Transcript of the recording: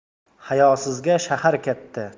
hayosizga shahar katta